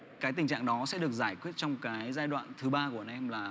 cái tình trạng đó sẽ được giải quyết trong cái giai đoạn thứ ba của bọn em là